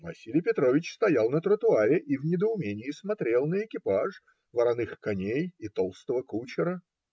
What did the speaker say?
Василий Петрович стоял на тротуаре и в недоумении смотрел на экипаж, вороных коней и толстого кучера.